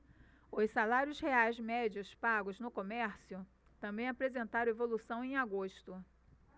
os salários reais médios pagos no comércio também apresentaram evolução em agosto